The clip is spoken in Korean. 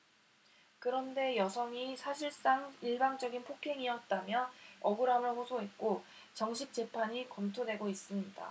그런데 여성이 사실상 일방적인 폭행이었다며 억울함을 호소했고 정식 재판이 검토되고 있습니다